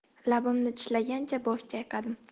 labimni tishlagancha bosh chayqadim